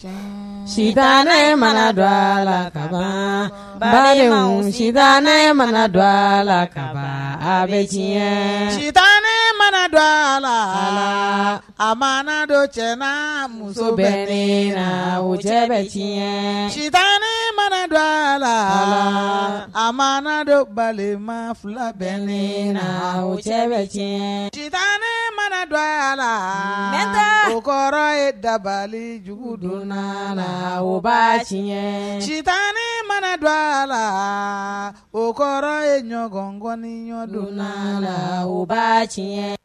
Sita ne mana dɔ a la ba si ne mana dɔ a la ka bɛ jiginɲɛ cita ne mana dɔ a la a ma dɔ cɛ na muso bɛ ne wo cɛɲɛ sita ne mana dɔ a la a ma dɔbalima fila bɛ ne na cɛ bɛ tiɲɛ ci ne mana don a la nta o kɔrɔ ye dabalijugu don a la ba tiɲɛ cita ne mana don a la o kɔrɔ ye ɲɔgɔnkɔni ɲɔgɔndon la la ba tiɲɛ